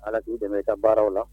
Ala k'u dɛmɛ i ka baaraw la